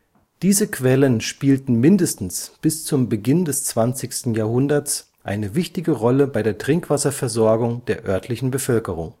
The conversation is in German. Diese Quellen spielten mindestens bis zum Beginn des 20. Jahrhunderts eine wichtige Rolle bei der Trinkwasserversorgung der örtlichen Bevölkerung